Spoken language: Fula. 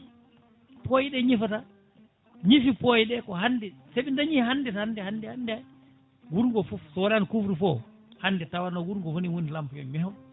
poyeɗe ñifata ñiifi pooyeɗe ko hande sooɓe dañi hande hande hande wuuro ngo foof so wonano couvre feu o hande tawanno wuuro fo ne woni lampayon meyon